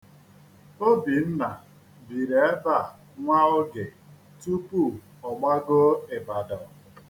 Obinna biri ebe a nwa oge tupu ọ gbagoo Ibadan.